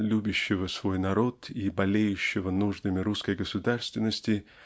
любящего свой народ и болеющего нуждами русской государственности